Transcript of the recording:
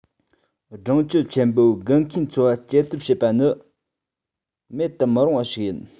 སྦྲང ཁྱུ ཆེན པོའི དགུན ཁའི འཚོ བ སྐྱེལ ཐབས བྱེད པ ནི མེད དུ མི རུང བ ཞིག ཡིན